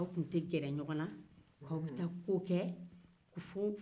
aw tun tɛ gɛrɛ ɲɔgɔn na k'aw bɛ taa ko kɛ